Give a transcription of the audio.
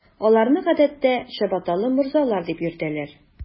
Аларны, гадәттә, “чабаталы морзалар” дип йөртәләр.